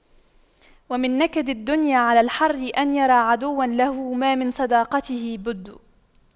ومن نكد الدنيا على الحر أن يرى عدوا له ما من صداقته بد